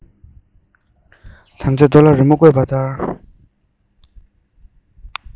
དམ བཅའ རྡོ ལ རི མོ བརྐོས པ ལྟར